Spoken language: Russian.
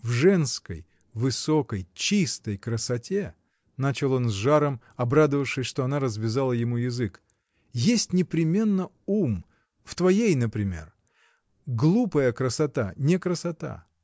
— В женской высокой, чистой красоте, — начал он с жаром, обрадовавшись, что она развязала ему язык, — есть непременно ум, в твоей например. Глупая красота — не красота.